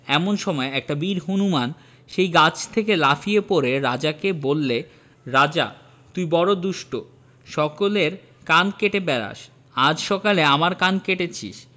এমন সময় একটা বীর হনুমান সেই গাছ থেকে লাফিয়ে পড়ে রাজাকে বললে রাজা তুই বড়ো দুষ্ট সকলের কান কেটে বেড়াস আজ সকালে আমার কান কেটেছিস